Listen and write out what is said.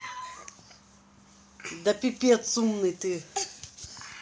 да пипец умный ты